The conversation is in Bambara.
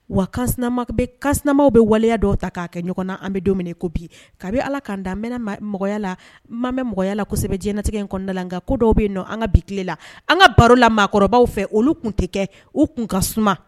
Wama bɛ waleya dɔw ta k'a kɛ ɲɔgɔn na an bɛ dumuni ko bi kabi ala ka da mɛn mɔgɔya la mama bɛ mɔgɔyala kosɛbɛ jɲɛnatigɛ in kɔnda la nka ko dɔw bɛ yen nɔ an ka bi tile la an ka baro la maakɔrɔba fɛ olu tun tɛ kɛ u kun ka suma